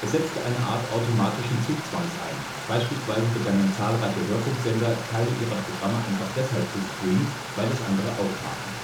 Es setzte eine Art automatischen Zugzwangs ein, beispielsweise begannen zahlreiche Hörfunksender, Teile ihrer Programme einfach deshalb zu streamen, weil es andere auch taten